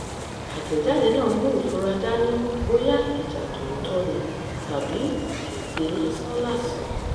Àtẹ̀jáde náà mú ìfura dání bóyá ìjà tòótọ́ ni tàbí ète lásán-làsàn: